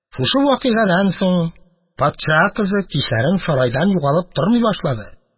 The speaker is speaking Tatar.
Шушы вакыйгадан соң патша кызы кичләрен сарайдан югалып тормый башлады.